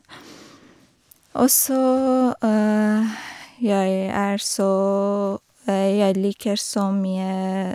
Og så jeg er så jeg liker så mye...